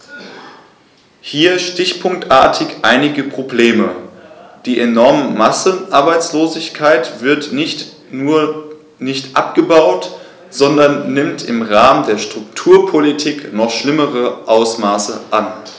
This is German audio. Hier stichpunktartig einige Probleme: Die enorme Massenarbeitslosigkeit wird nicht nur nicht abgebaut, sondern nimmt im Rahmen der Strukturpolitik noch schlimmere Ausmaße an.